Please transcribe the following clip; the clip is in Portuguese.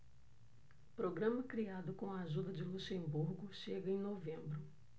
programa criado com a ajuda de luxemburgo chega em novembro